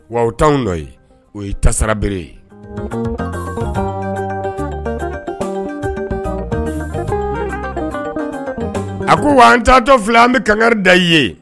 Wa taa dɔ o ye tasarabere ye a ko wa an taatɔ fila an bɛ kangarin da i ye